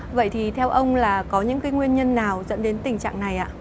vậy thì theo ông là có những cái nguyên nhân nào dẫn đến tình trạng này ạ